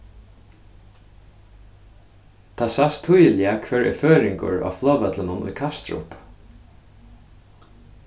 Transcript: tað sæst týðiliga hvør er føroyingur á flogvøllinum í kastrup